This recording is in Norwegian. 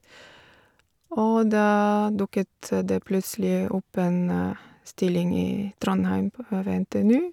Og da dukket det plutselig opp en stilling i Trondheim på ved NTNU.